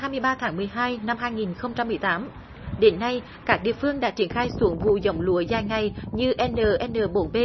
hai mươi ba tháng mười hai năm hai nghìn không trăm mười tám đến nay các địa phương đã triển khai xuống vụ giống lúa dài ngày như en nờ en nờ bốn bê